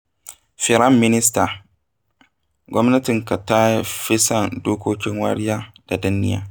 Firanminista, gwamnatinka ta fi son dokokin wariya da danniya.